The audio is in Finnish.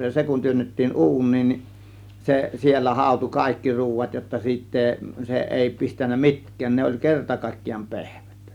ja se kun työnnettiin uuniin niin se siellä hautui kaikki ruuat jotta siitä ei se ei pistänyt mitkään ne oli kerta kaikkiaan pehmyttä